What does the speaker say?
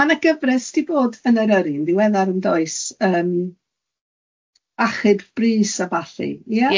Ma' 'na gyfres di bod yn Eryri yn ddiweddar yndoes, yym Achyd Brys a ballu, ia?